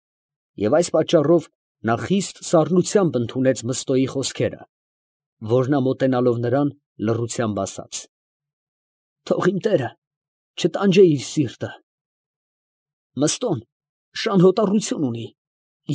Եվ այս պատճառով նա խիստ սառնությամբ ընդունեց Մըստոյի խոսքե՛րը, որ նա մոտենալով նրան, լռությամբ ասաց. ֊ Թո՛ղ իմ տերը չտանջե իր սիրտը. Մըստոն շան հոտառություն ունի.